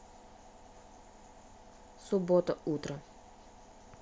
суббота утро